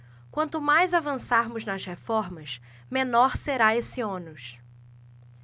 quanto mais avançarmos nas reformas menor será esse ônus